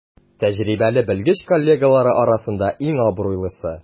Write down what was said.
Тәҗрибәле белгеч коллегалары арасында иң абруйлысы.